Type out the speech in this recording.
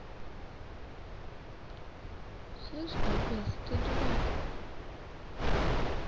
слышь балбес ты дурак